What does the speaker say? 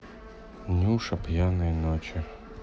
нюша пьяные ночи